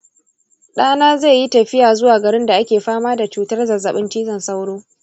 ɗa na zai yi tafiya zuwa garin da ake fama da cutar zazzaɓin cizon sauro.